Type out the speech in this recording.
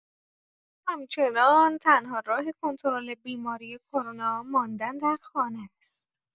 همچنان تنها راه کنترل بیماری کرونا ماندن در خانه است.